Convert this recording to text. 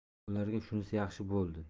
bularga shunisi yaxshi bo'ldi